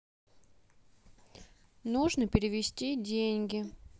нужно перевести деньги